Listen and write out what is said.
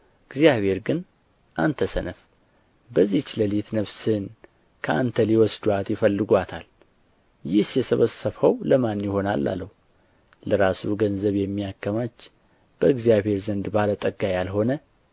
እግዚአብሔር ግን አንተ ሰነፍ በዚች ሌሊት ነፍስህን ከአንተ ሊወስዱአት ይፈልጓታል ይህስ የሰበሰብኸው ለማን ይሆናል አለው ለራሱ ገንዘብ የሚያከማች በእግዚአብሔር ዘንድም ባለ ጠጋ ያልሆነ